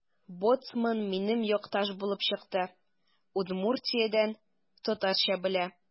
Боцман минем якташ булып чыкты: Удмуртиядән – татарча белә.